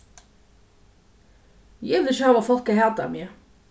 eg vil ikki hava fólk at hata meg